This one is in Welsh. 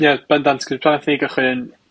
Ie, bandant 'c'os pan nathon ni gychwyn